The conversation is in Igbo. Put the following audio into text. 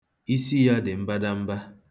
Isi ya dị mbadamba